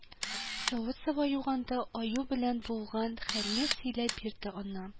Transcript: Савыт-саба юганда, аю белән булган хәлне сөйләп бирде, аннан